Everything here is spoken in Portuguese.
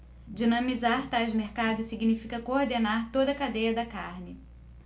dinamizar tais mercados significa coordenar toda a cadeia da carne